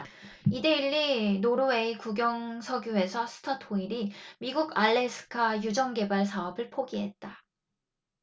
이데일리 노르웨이 국영석유회사 스타토일이 미국 알래스카 유전개발 사업을 포기했다